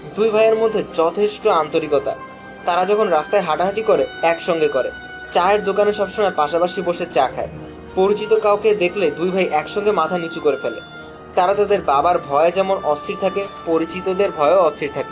দুই ভাইয়ের মধ্যে যথেষ্ট আন্তরিকতা তারা যখন রাস্তায় হাঁটাহাঁটি করে একসঙ্গে করে চায়ের দোকানে সবসময় পাশাপাশি বসে চা খায় পরিচিত কাউকে দেখলে দুই ভাই একসঙ্গে মাথা নিচু করে ফেলে তারা তাদের বাবার ভয়ে যেমন অস্থির থাকে পরিচিতদের ভয়েও অস্থির থাকে